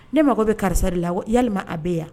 Ne mago be karisa de la awɔ yalima a be ya a